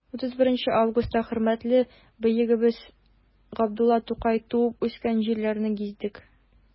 31 августта хөрмәтле бөегебез габдулла тукай туып үскән җирләрне гиздек.